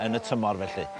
yn y tymor felly.